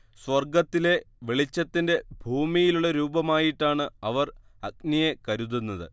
സ്വർഗത്തിലെ വെളിച്ചത്തിന്റെ ഭൂമിയിലുള്ള രൂപമായിട്ടാണ് അവർ അഗ്നിയെ കരുതുന്നത്